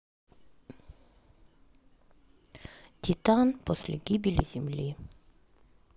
титан после гибели земли